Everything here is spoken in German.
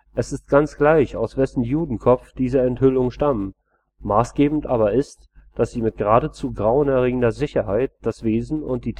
ist ganz gleich, aus wessen Judenkopf diese Enthüllungen stammen, maßgebend aber ist, daß sie mit geradezu grauenerregender Sicherheit das Wesen und die